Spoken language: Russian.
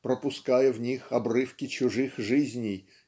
пропуская в них обрывки чужих жизней